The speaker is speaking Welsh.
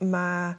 ma'